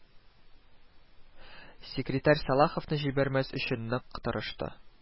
Секретарь Салаховны җибәрмәс өчен нык тырышты